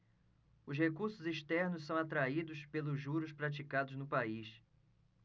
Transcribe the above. os recursos externos são atraídos pelos juros praticados no país